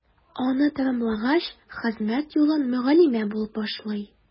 Аны тәмамлагач, хезмәт юлын мөгаллимә булып башлый.